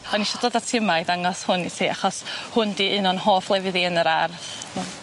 O'n i isio dod â ti yma i ddangos hwn i ti achos hwn 'di un o'n hoff lefydd i yn yr ardd.